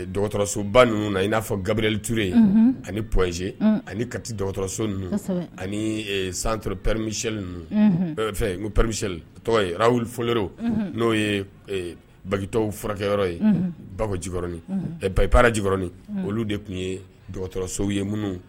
Dɔgɔtɔrɔsoba ninnu na i n'a fɔ gabriliur yen ani pzsee ani kati dɔgɔtɔrɔso ninnu ani santura prisili ninnu ko p fɔlen n'o ye bakitɔ furakɛyɔrɔ ye bako jikɔrɔn ɛɛ papi para jikɔrɔni olu de tun ye dɔgɔtɔrɔso ye minnu